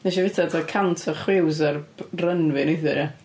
Wnes i fyta tua cant o chwils ar b- run fi neithiwr ia.